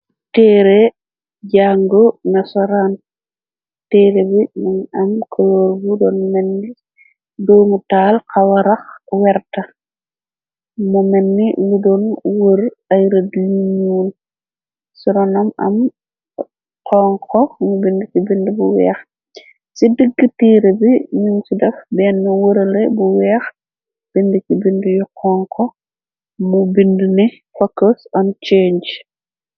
Teere jàngu na soron teere bi men am koloor budoon menni duumu taal xawarax werta mu menni wudoon wër ay rëd liñ ñuun soroonam am xonko mu bind ki bind bu weex ci dëkg teere bi nim ci daf denn wërale bu weex bind ci bind yu xonko mu bind ne focus an change.